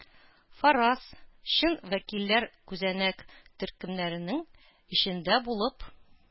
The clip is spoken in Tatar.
Фараз - чын вәкилләр күзәнәк төркемнәренең эчендә булып...